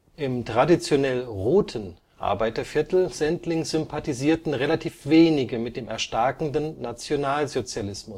Im traditionell „ roten “Arbeiterviertel Sendling sympathisierten relativ wenige mit dem erstarkenden Nationalsozialismus